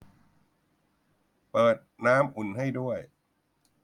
เปิดน้ำอุ่นให้ด้วย